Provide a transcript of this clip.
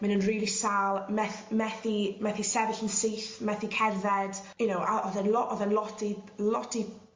myn' yn rili sâl meth- methu methu sefyll yn syth methu cerdded you know a o'dd e'n lo- o'dd e'n lot i lot i